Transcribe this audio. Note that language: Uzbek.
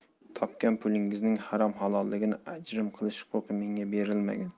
topgan pulingizning harom hallolligini ajrim qilish huquqi menga berilmagan